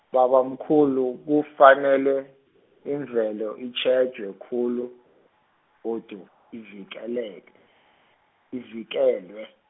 babamkhulu kufanele, imvelo itjhejwe khulu, godu ivikeleke, ivikelwe.